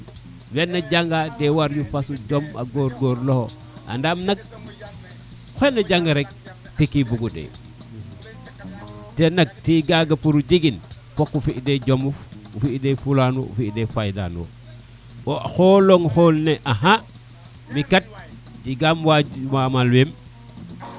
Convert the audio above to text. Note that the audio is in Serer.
wena jange de waru fas jom a goor goor loxo andam nak oxu na janga rek teki bugu te nak te kaga pour o jegin fogo fi de jomof fi de fila newo o fi defaya ne wo wo xolong xol ne axa mikat jagam wajuur